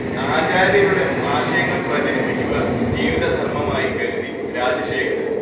ആചാര്യരുടെ ആശയങ്ങൾ പ്രചരിപ്പിക്കുക ജീവിതധർമമായി കരുതി രാജശേഖരൻ